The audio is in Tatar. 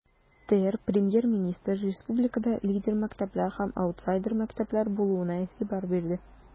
ТР Премьер-министры республикада лидер мәктәпләр һәм аутсайдер мәктәпләр булуына игътибар бирде.